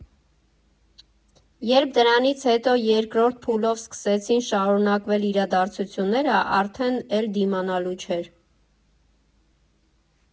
Երբ դրանից հետո երկրորդ փուլով սկսեցին շարունակվել իրադարձությունները, արդեն էլ դիմանալու չէր։